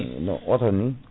no oto ni